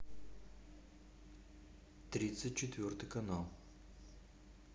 тридцать четвертый канал